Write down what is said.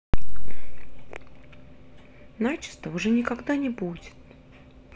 начисто уже никогда не будет